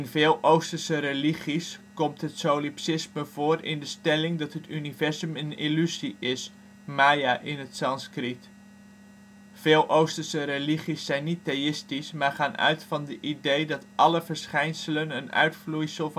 veel Oosterse religies komt het solipsisme ook voor in de stelling dat het universum een illusie is, maya in het Sanskriet. Veel Oosterse religies zijn niet theïstisch maar gaan uit van de idee dat alle verschijnselen een uitvloeisel